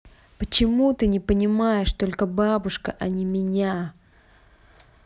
почему ты понимаешь только бабушка а не меня